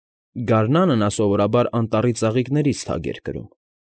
Գարնանը նա սովորաբար անտառի ծաղիկներից թագ էր կրում։